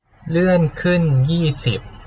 เลื่อนขึ้นยี่สิบ